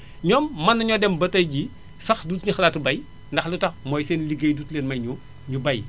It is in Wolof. ñoom mën nañoo dem ba tay jii sax duñ xalaati mbay ndax lu tax mooy seen ligéey dootu leen may ñu ñu bayi